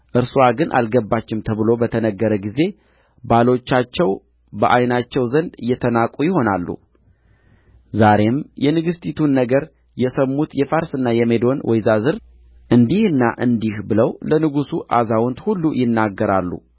እርስዋ ግን አልገባችም ተብሎ በተነገረ ጊዜ ባሎቻቸው በዓይናቸው ዘንድ የተናቁ ይሆናሉ ዛሬም የንግሥቲቱን ነገር የሰሙት የፋርስና የሜዶን ወይዛዝር እንዲህና እንዲህ ብለው ለንጉሡ አዛውንት ሁሉ ይናገራሉ